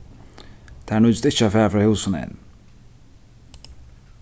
tær nýtist ikki at fara frá húsum enn